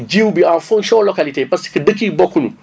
jiw bi en fonction localités yi parce que dëkk yi bokkuñu